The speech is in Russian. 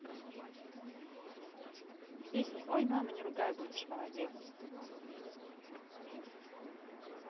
песня ой мама не ругай будешь молодец